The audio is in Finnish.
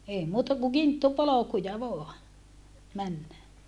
ei muuta kuin kinttupolkuja vain mennä